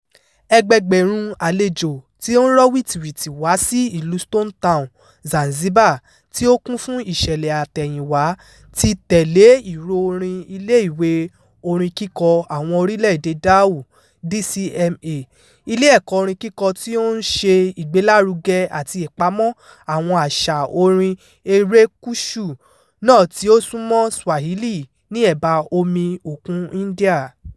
Ẹgbẹẹgbẹ̀rún àlejò tí ó ń rọ́ wìtìwìtì wá sí ìlú Stone Town, Zanzibar tí ó kún fún ìṣẹ̀lẹ̀ àtẹ̀yìnwá, ti tẹ̀lé ìró orin Iléèwé Orin kíkọ Àwọn Orílẹ̀-èdèe Dhow (DCMA), ilé ẹ̀kọ́ orin kíkọ tí ó ń ṣe ìgbélárugẹ àti ìpamọ́ àwọn àṣà orin erékùṣù náà tí ó sún mọ́ Swahili ní ẹ̀báa Omi Òkun India.